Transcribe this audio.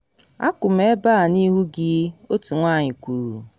“Akwụ m ebe a n’ihu gị,” otu nwanyị kwuru.